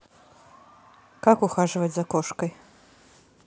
как ухаживать за кошкой